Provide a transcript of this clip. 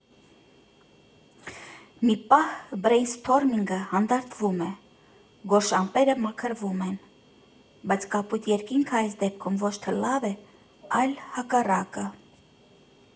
Մի պահ բրեյն֊սթորմինգը հանդարտվում է, գորշ ամպերը մաքրվում են, բայց կապույտ երկինքը այս դեպքում ոչ թե լավ է, այլ հակառակը…